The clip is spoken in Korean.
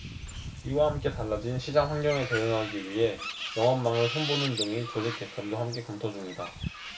이와 함께 달라진 시장환경에 대응하기 위해 영업망을 손보는 등의 조직 개편도 함께 검토 중이다